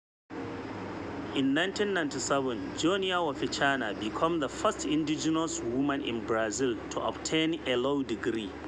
In 1997, Joenia Wapichana became the first indigenous woman in Brazil to obtain a law degree.